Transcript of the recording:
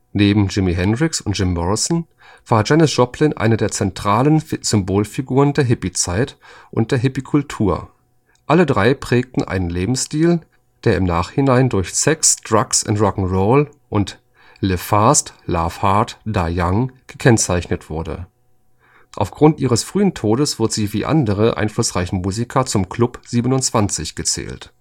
Neben Jimi Hendrix und Jim Morrison war Janis Joplin eine der zentralen Symbolfiguren der Hippiezeit und der Hippiekultur. Alle drei prägten einen Lebensstil, der im Nachhinein durch „ Sex, Drugs & Rock'n'Roll “und „ Live fast, love hard, die young “gekennzeichnet wurde. Aufgrund ihres frühen Todes wird sie wie andere einflussreiche Musiker zum Klub 27 gezählt